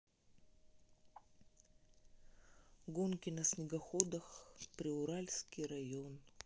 гонки на снегоходах приуральский район